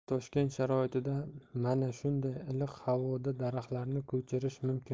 toshkent sharoitida mana shunday iliq havoda daraxtlarni ko'chirish mumkin